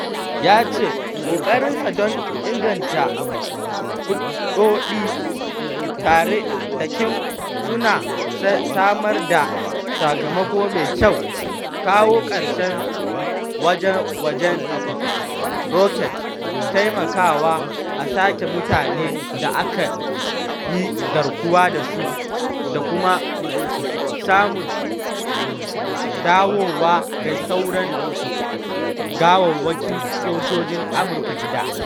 Ya ce ƙoƙarinsa don inganta hulɗoɗi tare da Kim sun samar da sakamako mai kyau - kawo ƙarshen gwaje-gwajen roket, taimakawa a sake mutanen da aka yi garkuwa da su da kuma samun dawowa da sauran gawawwakin sojojin Amurka gida.